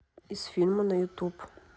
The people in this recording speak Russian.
из фильма на ютуб